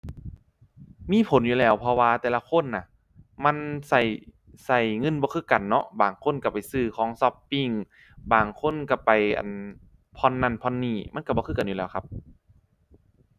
มีผลอยู่แล้ว เพราะว่าแต่ละคนน่ะ มันใช้ ใช้เงินบ่คือกันเนาะ บางคนใช้ไปซื้อของช็อปปิง บางคนใช้ไป อั่น ผ่อนนั่นผ่อนนี่ มันใช้บ่คือกันนี่แหล้วครับ